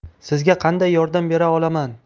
sizga qanday yordam bera olaman